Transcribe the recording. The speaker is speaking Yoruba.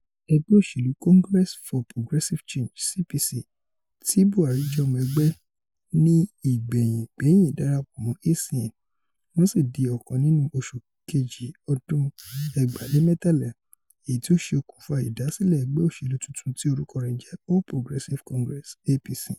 Ẹgbẹ́ òṣèlú Congress for Progressive Change (CPC) tí Buhari jẹ́ ọmọ ẹgbẹ́ ní ìgbẹ̀yìngbẹ́yín darapọ̀ mọ́ ACN, wọ́n sì di ọkàn nínú oṣù Kejì ọdún 2013, èyí tí ó ṣe okùnfà ìdásílẹ̀ ẹgbẹ́ òṣèlú tuntun tí orúkọ rẹ̀ ń jẹ́ All Progressive Congress (APC).